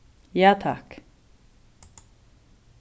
ja takk